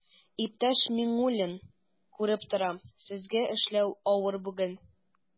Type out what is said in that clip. Иптәш Миңнуллин, күреп торам, сезгә эшләү авыр бүген.